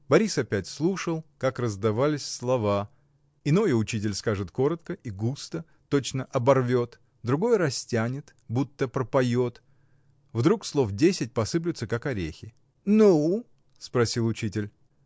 Борис опять слушал, как раздавались слова: иное учитель скажет коротко и густо, точно оборвет, другое растянет, будто пропоет, вдруг слов десять посыплются, как орехи. — Ну? — спросил учитель.